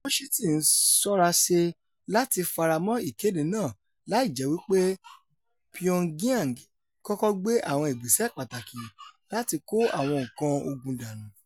Washington ńsọ́raṣè láti faramọ́ ìkéde náà láijẹ́ wí pé Pyongyang kọ́kọ́ gbé àwọn ìgbésẹ̀ pàtàkì láti kó àwọn nǹkan ogun dánù.